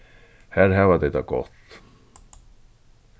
har hava tey tað gott